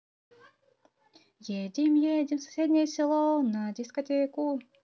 едем едем в соседнее село на дискотеку